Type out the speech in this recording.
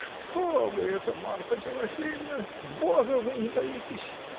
-- Что вы это, Марфа Тимофеевна, бога вы не боитесь!